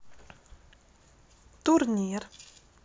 турнир